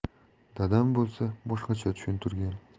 dadam bo'lsa boshqacha tushuntirgan